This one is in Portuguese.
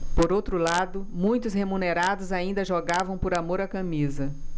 por outro lado muitos remunerados ainda jogavam por amor à camisa